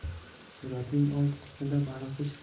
suratning old qismida sarg'ish